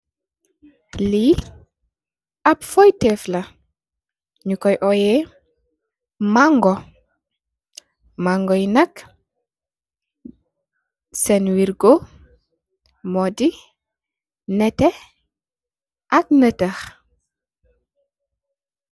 Lii ab foytef la, nyu koy owe mango, mango yi nak seen wergo, mo di nete, ak netex